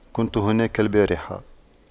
كنت هناك البارحة